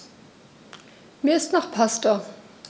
Mir ist nach Pasta.